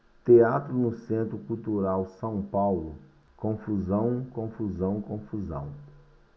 teatro no centro cultural são paulo confusão confusão confusão